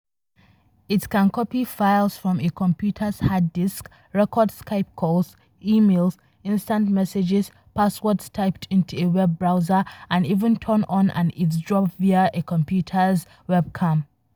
It can copy files from a computer’s hard disk, record Skype calls, e-mails, instant messages, passwords typed into a web browser, and even turn on and eavesdrop via a computer's webcam.